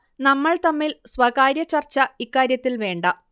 നമ്മൾ തമ്മിൽ സ്വകാര്യ ചർച്ച ഇക്കാര്യത്തിൽ വേണ്ട